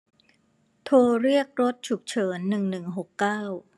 โทรเรียกรถฉุกเฉินหนึ่งหนึ่งหกเก้า